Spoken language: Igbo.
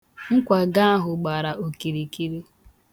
Nkwago ahụ gbara okirikiri.